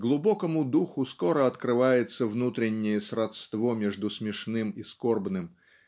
Глубокому духу скоро открывается внутреннее сродство между смешным и скорбным